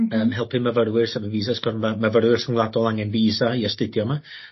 Yym helpu myfyrwyr sy efo visas 'g'od amdan myfyrwyr rhyngwladol angen visa i astudio 'ma.